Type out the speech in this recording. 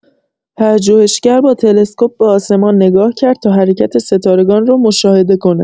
پژوهشگر با تلسکوپ به آسمان نگاه کرد تا حرکت ستارگان را مشاهده کند.